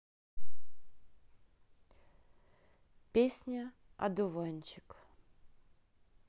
песня одуванчик